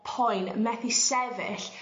poen methu sefyll